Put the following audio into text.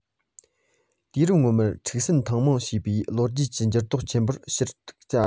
དུས རབས སྔོན མར འཁྲུག ཟིང ཐེངས མང བྱུང བའི ལོ རྒྱུས ཀྱི འགྱུར ལྡོག ཆེན མོར ཕྱིར མིག བལྟ བ